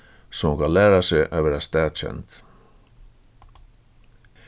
so hon kann læra seg at verða staðkend